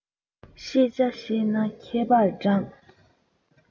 ཤེས བྱ ཤེས ན མཁས པར བགྲང